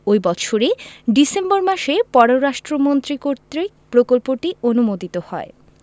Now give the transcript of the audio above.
ঐ বৎসরই ডিসেম্বর মাসে পররাষ্ট্র মন্ত্রী কর্তৃক প্রকল্পটি অনুমোদিত হয়